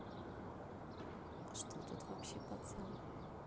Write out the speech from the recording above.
что тут вообще пацан